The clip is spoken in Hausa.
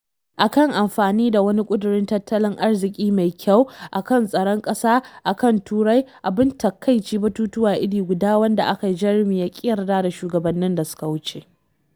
A kan amfani na wani ƙudurin tattalin arzikin mai kyau, a kan tsaron ƙasa, a kan Turai, abin takaici batutuwa iri guda wanda a kai Jeremy ya ƙi yarda da shugabanni da suka wuce.